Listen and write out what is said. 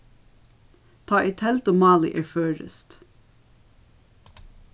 tá ið teldumálið er føroyskt